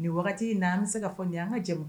Nin waati wagati n'an bɛ se ka fɔ nin an ka jamumu